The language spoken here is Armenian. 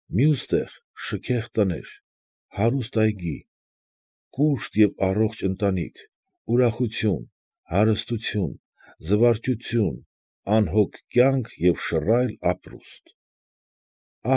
Մյուս տեղ շքեղ տներ, հարուստ այգի, կուշտ և առողջ ընտանիք, ուրախություն, հարստություն, զվարճություն, անհոգ կյանք և շռայլ ապրուստ ֊